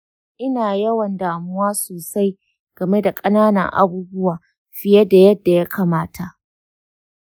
ina yawan damuwa sosai game da ƙananan abubuwa fiye da yadda ya kamata.